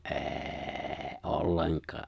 ei ollenkaan